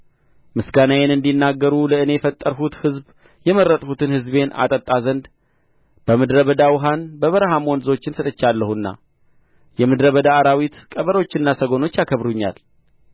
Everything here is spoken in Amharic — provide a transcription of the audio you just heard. ምስጋናዬን እንዲናገሩ ለእኔ የፈጠርሁት ሕዝብ የመረጥሁትን ሕዝቤን አጠጣ ዘንድ በምድረ በዳ ውኃን በበረሀም ወንዞችን ሰጥቻለሁና የምድረ በዳ አራዊት ቀበሮችና ሰጎኖች ያከብሩኛል